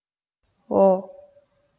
འོ